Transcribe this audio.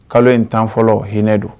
Kalo in tan fɔlɔ h hinɛ don